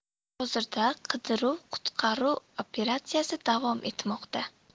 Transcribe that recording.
hozirda qidiruv qutqaruv operatsiyasi davom etmoqda